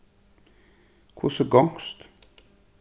hvussu gongst